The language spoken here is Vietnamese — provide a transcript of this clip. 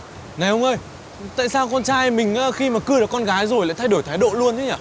này ông ơi tại sao con trai mình á khi mà cưa được con gái rồi thì lại thay đổi thái độ thế nhỉ